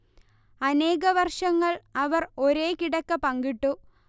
അനേക വർഷങ്ങൾ അവർ ഒരേ കിടക്ക പങ്കിട്ടു